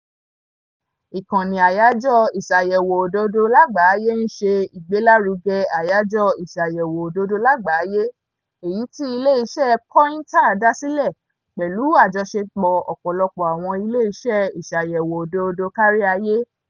Ìkànnì Àyájọ̀ Ìṣàyẹ̀wò Òdodo Lágbàáyé ń ṣe ìgbélárugẹ Àyájọ̀ Ìṣàyẹ̀wò Òdodo Lágbàáyé, èyí tí ilé iṣẹ́ Poynter dásílẹ̀ pẹ̀lú àjọṣepọ̀ ọ̀pọ̀lọpọ̀ àwọn ilé iṣẹ́ ìṣàyẹ̀wò òdodo káríayé.